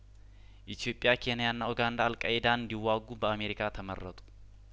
ኢትዮጵያ ኬንያና ኡጋንዳ አልቃኢዳን እንዲ ዋጉ በአሜሪካ ተመረጡ